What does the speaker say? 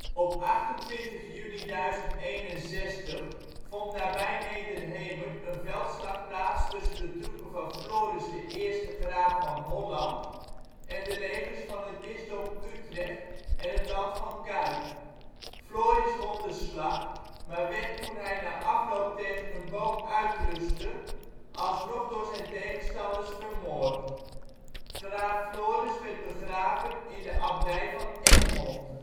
Op 28 juni 1061 vond nabij Nederhemert een veldslag plaats tussen de troepen van Floris I, graaf van Holland, en de legers van het bisdom Utrecht en het Land van Cuijk. Floris won de slag, maar werd toen hij na afloop tegen een boom uitrustte alsnog door zijn tegenstanders vermoord. Graaf Floris werd begraven in de Abdij van Egmond